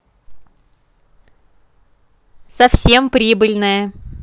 совсем прибыльная